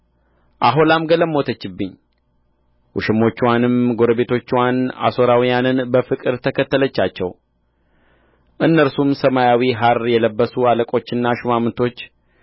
ኦሖላም ገለሞተችብኝ ውሽሞችዋንም ጎረቤቶችዋን አሦራውያንን በፍቅር ተከተለቻቸው እነርሱም ሰማያዊ ሐር የለበሱ አለቆችና ሹማምቶች